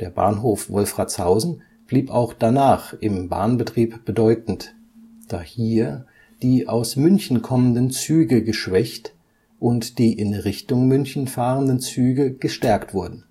Bahnhof Wolfratshausen blieb auch danach im Bahnbetrieb bedeutend, da hier die aus München kommenden Züge geschwächt und die in Richtung München fahrenden Züge gestärkt wurden